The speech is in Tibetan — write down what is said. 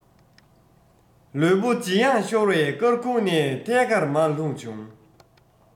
ལུས པོ ལྕི ཡང ཤོར བས སྐར ཁུང ནས ཐད ཀར མར ལྷུང བྱུང